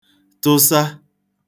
tụsa